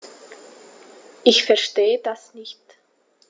Ich verstehe das nicht.